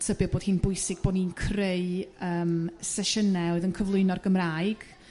tybied bod hi'n bwysig bo' ni'n creu yrm sesiyne oedd yn cyflwyno'r Gymraeg